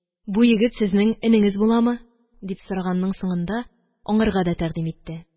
– бу егет сезнең энеңез буламы? – дип сораганның соңында аңарга да тәкъдим итте